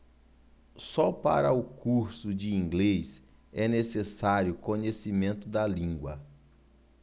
só para o curso de inglês é necessário conhecimento da língua